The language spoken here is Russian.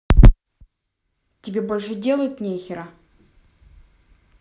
тебе больше делать нехера